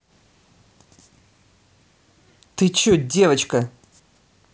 ты че девочка